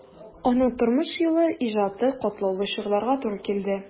Аның тормыш юлы, иҗаты катлаулы чорларга туры килде.